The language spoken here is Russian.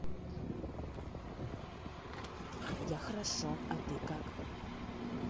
я хорошо а ты как